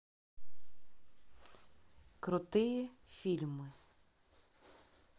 крутые фильмы